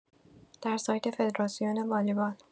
در سایت فدراسیون والیبال